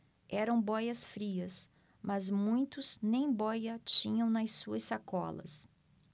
eram bóias-frias mas muitos nem bóia tinham nas suas sacolas